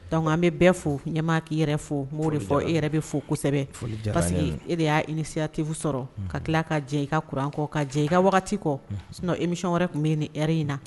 Donc an bɛ bɛɛ fo ɲɛmaa k'i yɛrɛ fo n b'o de fɔ e yɛrɛ bɛ fo kosɛbɛ, foli diyara n ye parce que e de y'a initiative sɔrɔ ka tila ka jɛn i ka kuran kɔ ka jɛn i ka wagati kɔ sinon émission wɛrɛ tun bɛ yen nin heure in na